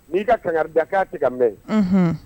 N'i ka kangadaka tigɛ ka mɛn